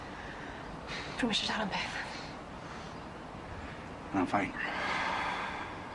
Dwi'm isie siarad am peth. Ma' wnna'n fine.